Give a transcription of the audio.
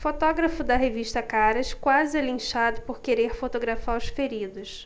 fotógrafo da revista caras quase é linchado por querer fotografar os feridos